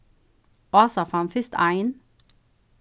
ása fann fyrst ein